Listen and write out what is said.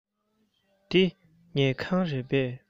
འདི ཉལ ཁང རེད པས